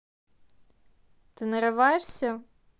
ты нарываешься